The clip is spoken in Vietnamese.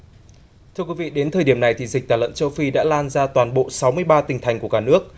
thưa quý vị đến thời điểm này thì dịch tả lợn châu phi đã lan ra toàn bộ sáu mươi ba tỉnh thành của cả nước